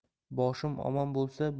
boshim omon bo'lsa